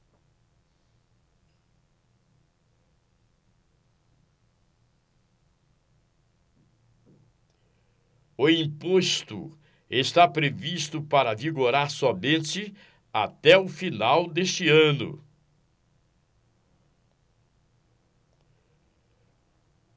o imposto está previsto para vigorar somente até o final deste ano